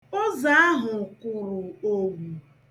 Ụzọ ahụ kụrụ owu.